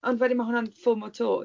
Ond wedyn, mae hwnna'n FOMO 'to.